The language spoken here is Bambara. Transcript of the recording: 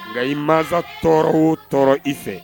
Nka i masa tɔɔrɔ o tɔɔrɔ i fɛ